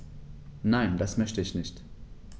Nein, das möchte ich nicht.